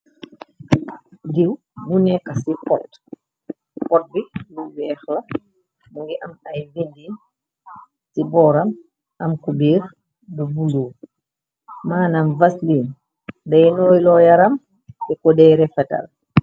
Diiw bu nekka ci port, port bi lu weex la, mungi am ay bindin ci booram am ku biir bu bulo. Maanam vaslin deyenooy loo yaram te ko deere fatal.